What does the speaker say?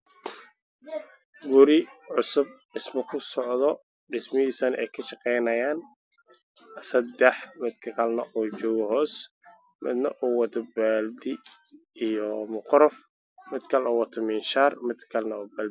Guri oo cusub dhismo ku socdo dhismihisana ey ka sheqeynayan sedax midka kale na ow joogo hoos midka ow wato baldi iho moqorof